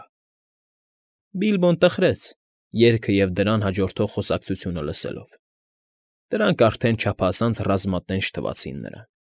Գա։ Բիլբոն տխրեց՝ երգը և դրան հաջորդող խոսակցությունը լսելով. դրանք արդեն չափազանց ռազմատենչ թվացին նրան։